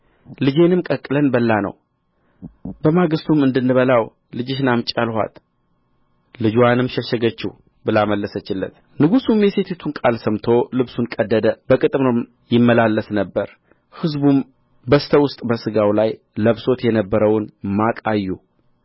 ልጄንም ቀቅለን በላነው በማግሥቱም እንድንበላው ልጅሽን አምጪ አልኋት ልጅዋንም ሸሸገችው ብላ መለሰችለት ንጉሡም የሴቲቱን ቃል ሰምቶ ልብሱን ቀደደ በቅጥርም ይመላለስ ነበር ሕዝቡም በስተ ውስጥ በሥጋው ላይ ለብሶት የነበረውን ማቅ አዩ